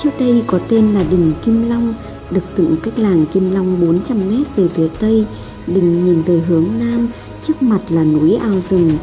trước đây có tên là đình kim long được dụng cách làng kim long m về phía tây đình nhìn về hướng nam trước mặt là núi ao rừng